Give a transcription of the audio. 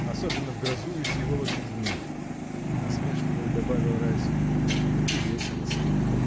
особенно в грозу, и с его лошадьми! — насмешливо добавил Райский. — И весело с ним?